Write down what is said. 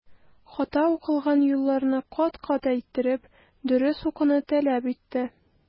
Хата укылган юлларны кат-кат әйттереп, дөрес укуны таләп итте.